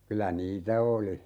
kyllä niitä oli